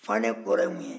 fanɛ kɔrɔ ye mun ye